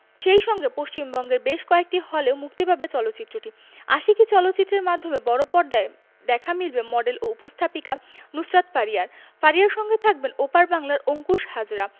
সেই সঙ্গে পশ্চিমবঙ্গের বেশ কয়েকটি হলেও মুক্তি পাবে চলচ্চিত্রটি আশিকী চলচ্চিত্রের মাধ্যমে বড়পর্দায় দেখা মিলবে মডেল ও উপস্থাপিকা নুসরাত ফারিয়ার ফারিয়ার সঙ্গে থাকবেন ওপার বাংলার অংকুশ হাজরা v